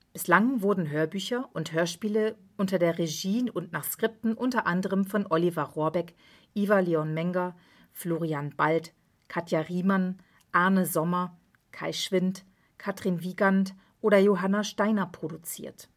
Bislang wurden Hörbücher und Hörspiele unter der Regie und nach Skripten u. a. von Oliver Rohrbeck, Ivar Leon Menger, Florian Bald, Katja Riemann, Arne Sommer, Kai Schwind, Katrin Wiegand oder Johanna Steiner produziert